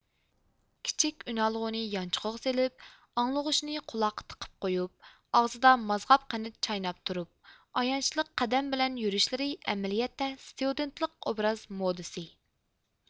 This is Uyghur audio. كىچىك ئۈنئالغۇنى يانچۇققا سېلىپ ئاڭلىغۇچنى قۇلاققا تىقىپ قويۇپ ئېغىزىدا ماغزاپ قەنت چايناپ تۇرۇپ ئايانچلىق قەدەم بىلەن يۈرۈشلىرى ئەمەلىيەتتە ستۇدېنتلىق ئوبراز مودىسى